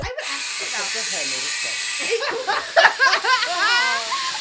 I'm an expert now.... That's such a Heno response.